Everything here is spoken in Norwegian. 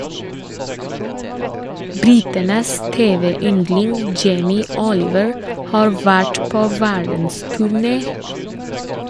Britenes tv- yndling Jamie Oliver har vært på verdensturné.